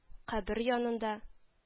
Кабер янында